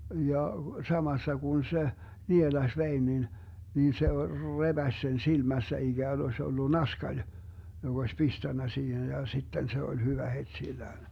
ja samassa kun se nielaisi veden niin niin se repäisi sen silmässä ikään olisi ollut naskali joka olisi pistänyt siihen ja sitten se oli hyvä heti sillään